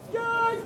Cayi